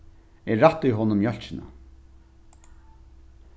eg rætti honum mjólkina